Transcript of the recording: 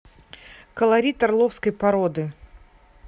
колорит орловской породы